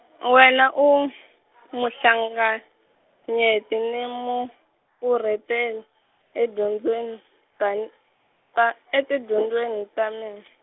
wena u, muhlanganyeti ni mupfurhetel-, e dyondzwen- tan- ta, etidyondzweni ta min- .